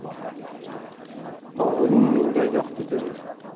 ovuling menga yoqdi dedi